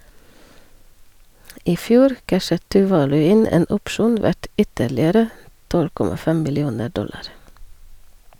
I fjor cashet Tuvalu inn en opsjon verdt ytterligere 12,5 millioner dollar.